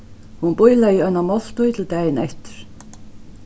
hon bílegði eina máltíð til dagin eftir